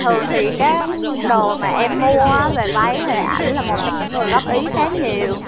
thường thì các đồ mà em mua về váy ảnh là một trong những người góp ý khá nhiều